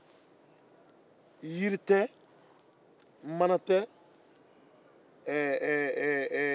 jiri tɛ mana tɛ